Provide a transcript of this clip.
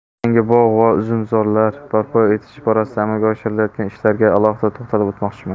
yangi bog' va uzumzorlar barpo etish borasida amalga oshirilayotgan ishlarga alohida to'xtalib o'tmoqchiman